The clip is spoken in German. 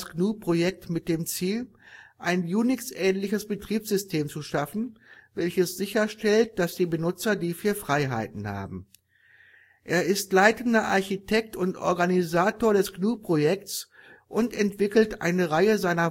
GNU-Projekt mit dem Ziel, ein unixähnliches Betriebssystem zu schaffen, welches sicherstellt, dass die Benutzer die Vier Freiheiten haben. Er ist leitender Architekt und Organisator des GNU Projekts und entwickelt eine Reihe seiner